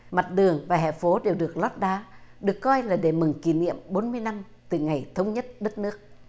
mặt đường và hè phố đều được lát đá được coi là để mừng kỷ niệm bốn mươi năm từ ngày thống nhất đất nước